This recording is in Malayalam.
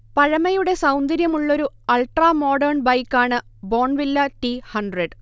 പഴമയുടെ സൗന്ദര്യമുള്ളൊരു അൾട്രാമോഡേൺ ബൈക്കാണ് ബോൺവില്ല ടി ഹൺഡ്രഡ്